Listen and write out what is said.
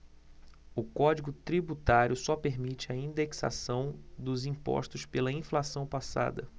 o código tributário só permite a indexação dos impostos pela inflação passada